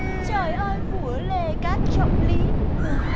trời ơi của lê cát trọng lý